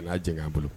A n'a jigin k'a bolo